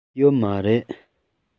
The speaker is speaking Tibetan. ཡོད མ རེད